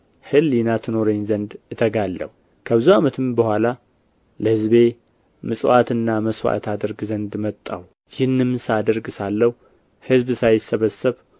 ሕሊና ትኖረኝ ዘንድ እተጋለሁ ከብዙ ዓመትም በኋላ ለሕዝቤ ምጽዋትና መሥዋዕት አደርግ ዘንድ መጣሁ ይህንም ሳደርግ ሳለሁ ሕዝብ ሳይሰበሰብ